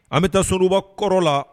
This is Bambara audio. An bɛ taa souruba kɔrɔ la